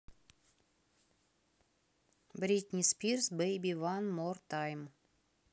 бритни спирс бейби ван мор тайм